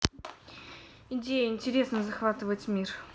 идея интересно захватывать мир